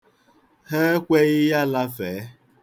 Ha ekweghị ya lafee.